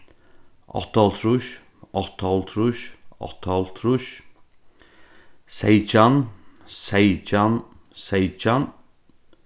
áttaoghálvtrýss áttaoghálvtrýss áttaoghálvtrýss seytjan seytjan seytjan